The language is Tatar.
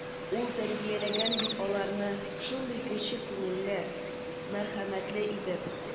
Ул тәрбияләгән бит аларны шундый кече күңелле, мәрхәмәтле итеп.